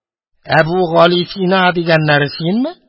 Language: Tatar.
Әбүгалисина дигәннәре синме?